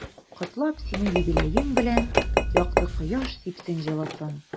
Котлап сине юбилеең белән, якты кояш сипсен җылысын.